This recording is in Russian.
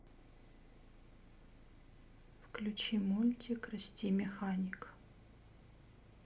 включи мультик расти механик